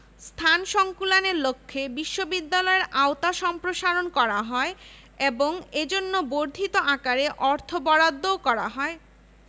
পাঁচ বছরের ঐকান্তিক প্রচেষ্টার মাধ্যমে বিশ্ববিদ্যালয়টির একটি মজবুত ভিত রচনা করে হার্টগ উপাচার্যের পদ থেকে অবসর নেন